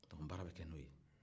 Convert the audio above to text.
donc baara bɛ kɛ n'o ye